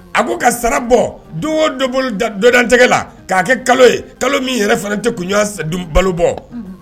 A ko ka sara bɔ don o dɔtigɛ la k'a kɛ kalo ye kalo min yɛrɛ fana tɛ tun balo bɔ